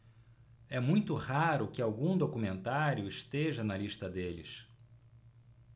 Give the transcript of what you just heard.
é muito raro que algum documentário esteja na lista deles